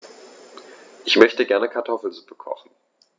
Ich möchte gerne Kartoffelsuppe kochen.